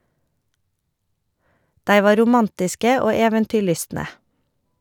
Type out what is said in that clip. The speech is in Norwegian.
Dei var romantiske og eventyrlystne.